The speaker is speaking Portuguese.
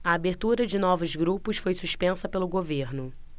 a abertura de novos grupos foi suspensa pelo governo